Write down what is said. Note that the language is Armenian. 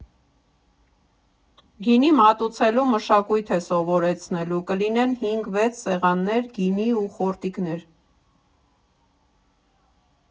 Գինի մատուցելու մշակույթ է սովորեցնելու, կլինեն հինգ֊վեց սեղաններ, գինի ու խորտիկներ։